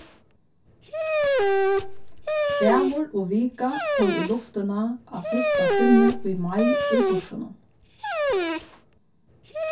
dagur og vika fór í luftina á fyrsta sinni í mai í fýrsunum